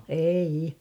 ei